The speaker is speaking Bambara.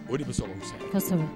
O de bɛ sɔrɔ kɔsɛbɛ